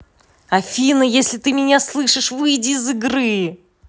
афина если ты меня слышишь выйти из игры